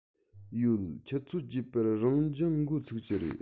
ཡོད ཆུ ཚོད བརྒྱད པར རང སྦྱོང འགོ ཚུགས ཀྱི རེད